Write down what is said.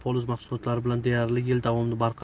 poliz mahsulotlari bilan deyarli yil davomida barqaror